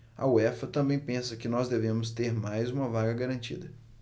a uefa também pensa que nós devemos ter mais uma vaga garantida